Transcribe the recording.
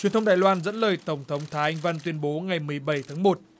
truyền thông đài loan dẫn lời tổng thống thái anh văn tuyên bố ngày mười bảy tháng một